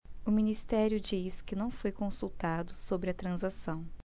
o ministério diz que não foi consultado sobre a transação